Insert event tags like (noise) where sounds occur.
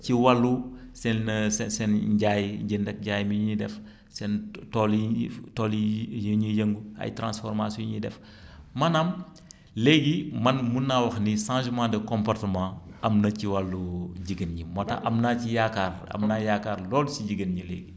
ci wàllu seen (hesitation) seen seen njaay jënd ak jaay mi ñuy def seen tool yi ñuy tool yi ñuy yëngu ay transformations yi ñuy def (breath) maanaam léegi man mën naa wax ni changement de comportement am na ci wàllu jigéen ñi moo tax am naa ci yaakaar am naa yaakaar lool si jigéen ñi léegi